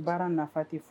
Baara nafa tɛ